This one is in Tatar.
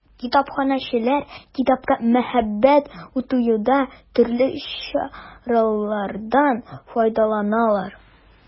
Китапханәчеләр китапка мәхәббәт уятуда төрле чаралардан файдаланалар.